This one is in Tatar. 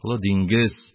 Олы диңгез